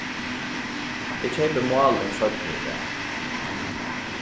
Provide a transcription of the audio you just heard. eg keypi máling seinni í dag